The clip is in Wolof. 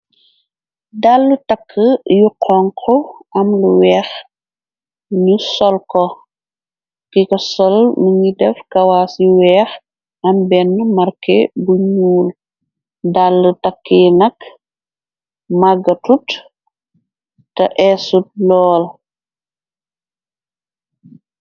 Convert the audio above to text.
Daal takk yu honku am lu weeh nu sol ko. Ki ko sol mungi deff kawaas yu weeh, am benn markè bu ñuul, daal takk yi nak magatud ta hèsut lol.